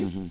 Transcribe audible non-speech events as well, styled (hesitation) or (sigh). (hesitation) (hesitation)